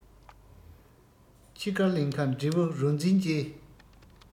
ཁྱི དཀར ལིངྒ འབྲས བུ རོ འཛིན བཅས